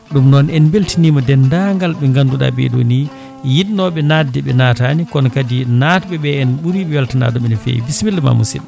ɗum noon en beltinima dendagal ɓe ganduɗa ɓeeɗo ni yinnoɓo nadde ɓe naatani kono kadi natɓeɓe en ɓuuri weltanadeɓe no fewi bisimillama musidɗo